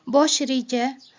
bosh reja